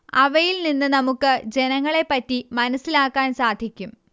അവയിൽ നിന്ന് നമുക്ക് ജനങ്ങളെ പറ്റി മനസ്സിലാക്കാൻ സാധിക്കും